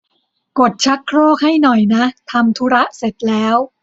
กดชักโครกให้หน่อยนะทำธุระเสร็จแล้ว